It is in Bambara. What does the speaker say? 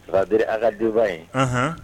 Barabiri a ka denba yehun